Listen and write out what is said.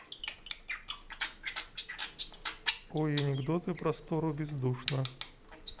ой анекдоты простору бездушно